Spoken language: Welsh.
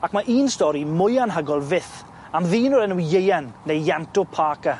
Ac ma' un stori mwy anhygoel fyth am ddyn o'r enw Ieuan neu Ianto Parker.